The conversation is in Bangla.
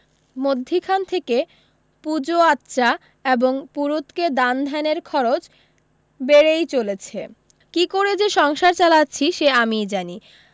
মধ্যিখান থেকে পূজো আচ্চা এবং পুরুতকে দান ধ্যানের খরচ বেড়ই চলেছে কী করে যে সংসার চালাচ্ছি সে আমিই জানি